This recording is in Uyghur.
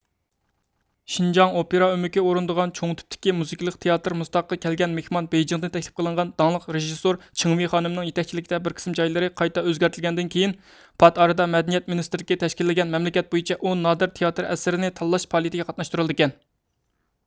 شىنجاڭ ئوپېرا ئۆمىكى ئورۇندىغان چوڭ تىپتىكى مۇزىكىلىق تىياتىر مۇز تاغقا كەلگەن مېھمان بېيجىڭدىن تەكلىپ قىلىنغان داڭلىق رىژېسسور چېڭۋېي خانىمنىڭ يېتەكچىلىكىدە بىر قىسىم جايلىرى قايتا ئۆزگەرتىلگەندىن كېيىن پات ئارىدا مەدەنىيەت مىنىستىرلىكى تەشكىللىگەن مەملىكەت بويىچە ئون نادىر تىياتىر ئەسىرىنى تاللاش پائالىيىتىگە قاتناشتۇرۇلىدىكەن